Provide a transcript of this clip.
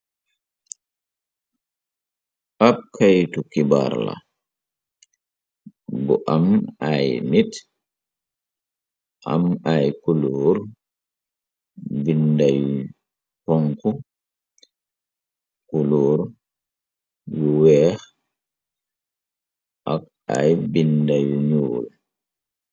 ab kaytu ki baar la bu am ay nit am ay kuloor binda yu xongo kuloor yu weex ak ay binda yu nuul.